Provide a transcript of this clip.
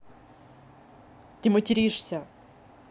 ты материшься